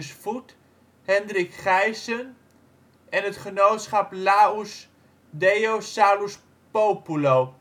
Voet, Hendrik Ghijsen en het genootschap Laus Deo Salus Populo